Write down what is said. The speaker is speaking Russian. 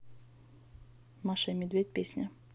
маша и медведь песня